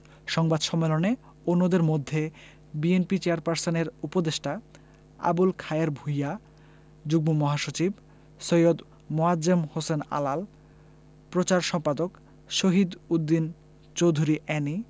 সংবাদ সম্মেলনে অন্যদের মধ্যে বিএনপি চেয়ারপারসনের উপদেষ্টা আবুল খায়ের ভূইয়া যুগ্ম মহাসচিব সৈয়দ মোয়াজ্জেম হোসেন আলাল প্রচার সম্পাদক শহীদ উদ্দিন চৌধুরী এ্যানি